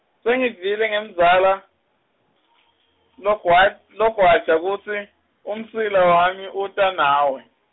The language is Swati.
sengivile ngemzala logwa- Logwaja kutsi umsila wami uta nawe.